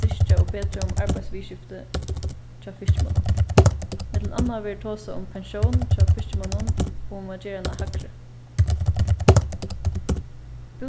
styrkja og betra um arbeiðsviðurskifti hjá fiskimonnum millum annað verður tosað um pensjón hjá fiskimonnum og um at gera hana hægri